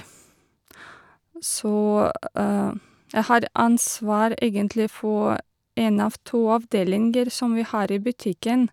Så jeg har ansvar, egentlig, for én av to avdelinger som vi har i butikken.